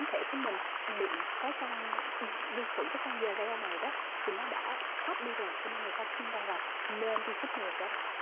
thể của mình bị sói con vi khuẩn các con giờ rayo này đất thì nó đã thắp đi rồi cho nên người ta khuyên rằng nên đi chích ngừa cho bạn